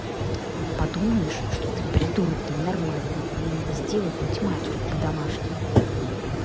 подумать что ты придурок ненормальный мне надо сделать математику по домашней